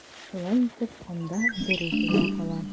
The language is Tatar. Шулай итеп, анда берүзе генә кала.